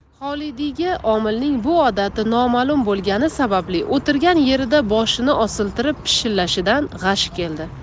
xolidiyga omilning bu odati noma'lum bo'lgani sababli o'tirgan yerida boshini osiltirib pishillashidan g'ashi keldi